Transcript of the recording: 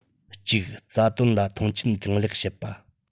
གཅིག རྩ དོན ལ མཐོང ཆེན གང ལེགས བྱེད པ